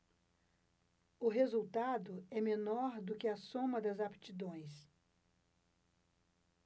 o resultado é menor do que a soma das aptidões